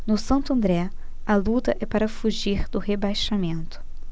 no santo andré a luta é para fugir do rebaixamento